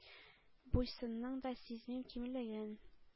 Буй-сынның да сизмим кимлеген,